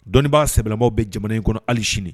Dɔnnibaa sɛbɛlamaw bɛ jamana in kɔnɔ hali sini.